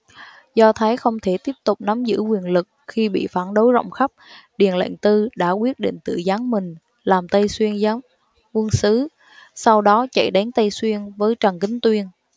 do thấy không thể tiếp tục nắm giữ quyền lực khi bị phản đối rộng khắp điền lệnh tư đã quyết định tự giáng mình làm tây xuyên giám quân sứ sau đó chạy đến tây xuyên với trần kính tuyên